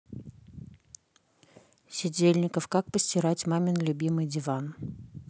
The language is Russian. сидельников как постирать мамин любимый диван